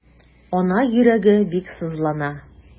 Ана йөрәге бик сызлана.